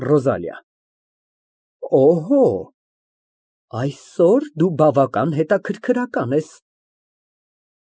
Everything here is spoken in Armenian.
ՌՈԶԱԼԻԱ ֊ Օհո, այսօր դու բավական հետաքրքրական ես։